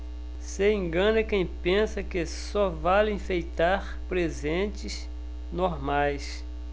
se engana quem pensa que só vale enfeitar presentes normais